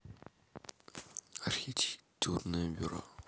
архитектурное бюро